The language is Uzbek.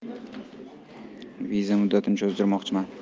viza muddatini cho'zdirmoqchiman